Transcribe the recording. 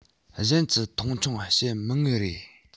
གཞན གྱིས མཐོང ཆུང བྱེད མི ངེས རེད